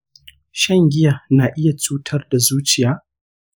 shan giya na iya cutar da zuciya?